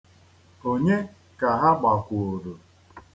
Onye ka ha gbakwuuru?